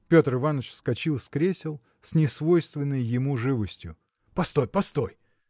Петр Иваныч вскочил с кресел с несвойственною ему живостью. – Постой, постой!